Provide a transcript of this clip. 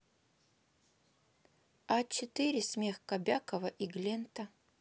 а четыре смех кобякова и глента